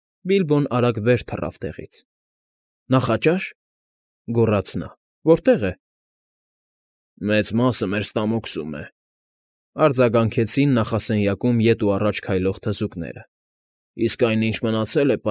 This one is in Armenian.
Բիլբոն արագ վեր թռավ տեղից։ ֊ Նախաճա՞շ,֊ գոռաց նա,֊ որտե՞ղ է։ ֊ Մեծ մասը մեր ստամոքսներում է,֊ արձագանքեցին նախասենյակում ետ ու առաջ քայլող թզուկները։֊ Իսկ այն, ինչ մնացել է,